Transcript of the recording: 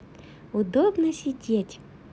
удобно сидеть